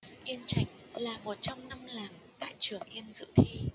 yên trạch là một trong năm làng tại trường yên dự thi